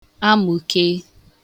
amụ̀ke